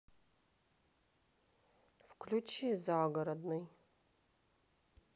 включи загородный